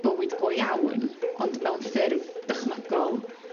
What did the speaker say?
bywyd go iawn ond mewn ffurf dychmygol